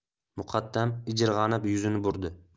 muqaddam ijirg'anib yuzini burdi